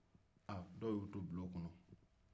aa dɔw y'o to bulon kɔnɔ